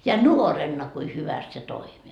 ja nuorena kuinka hyvästi se toimi